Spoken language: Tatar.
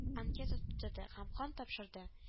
Анкета тутырды һәм кан тапшырды